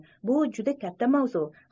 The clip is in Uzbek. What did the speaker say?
bu juda katta mavzu